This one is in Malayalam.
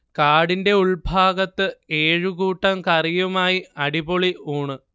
കാടിന്റ ഉൾഭാഗത്ത് ഏഴുകൂട്ടം കറിയുമായി അടിപൊളി ഊണ്